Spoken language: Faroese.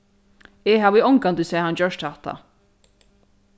eg havi ongantíð sæð hann gjørt hatta